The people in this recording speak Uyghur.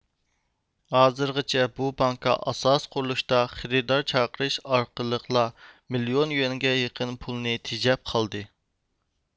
ھازىرغىچە بۇ بانكا ئاساسىي قۇرۇلۇشقا خېرىدار چاقىرىش ئارقىلىقلا مىليون يۈەنگە يېقىن پۇلنى تېجەپ قالدى